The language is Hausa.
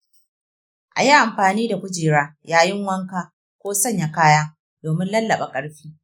a yi amfani da kujera yayin wanka ko sanya kaya domin lallaɓa ƙarfi.